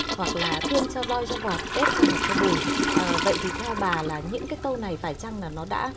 hoặc là thương cho roi cho vọt ghét cho ngọt cho bùi ờ vậy thì theo bà là những cái câu này phải chăng là nó đã